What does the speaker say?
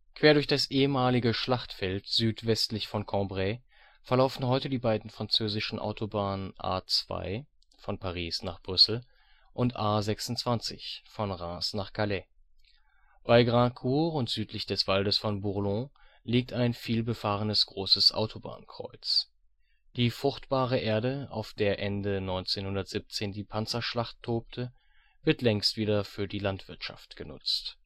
Quer durch das ehemalige Schlachtfeld südwestlich von Cambrai verlaufen heute die beiden französischen Autobahnen A2 (Paris - Brüssel) und A26 (Reims - Calais). Bei Graincourt und südlich des Waldes von Bourlon liegt ein vielbefahrenes großes Autobahnkreuz. Die fruchtbare Erde, auf der Ende 1917 die Panzerschlacht tobte, wird längst wieder für die Landwirtschaft genutzt